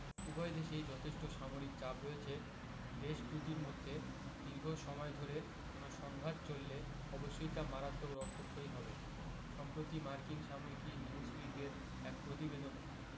উভয় দেশেই যথেষ্ট সামরিক চাপ রয়েছে দেশ দুটির মধ্যে দীর্ঘ সময় ধরে কোনো সংঘাত চললে অবশ্যই তা মারাত্মক রক্তক্ষয়ী হবে সম্প্রতি মার্কিন সাময়িকী নিউজউইকের এক প্রতিবেদনে